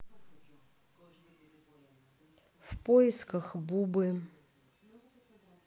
в поисках бубы